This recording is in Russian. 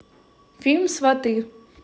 фильм сваты